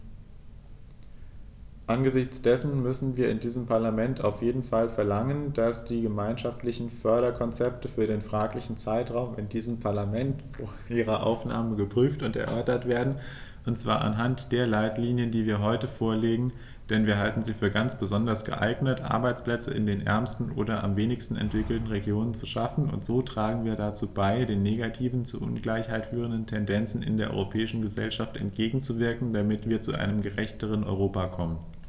Angesichts dessen müssen wir in diesem Parlament auf jeden Fall verlangen, dass die gemeinschaftlichen Förderkonzepte für den fraglichen Zeitraum in diesem Parlament vor ihrer Annahme geprüft und erörtert werden, und zwar anhand der Leitlinien, die wir heute vorlegen, denn wir halten sie für ganz besonders geeignet, Arbeitsplätze in den ärmsten oder am wenigsten entwickelten Regionen zu schaffen, und so tragen wir dazu bei, den negativen, zur Ungleichheit führenden Tendenzen in der europäischen Gesellschaft entgegenzuwirken, damit wir zu einem gerechteren Europa kommen.